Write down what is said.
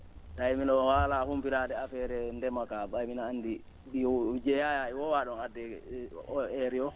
eeyi mbi?o faalaa humpitaade affaire ndema kaa ?ay mi?a anndi ?i jeyaa ?i woowaa ?oo adde o heure yoo